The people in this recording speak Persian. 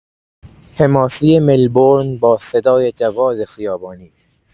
حماسۀ ملبورن با صدای جواد خیابانی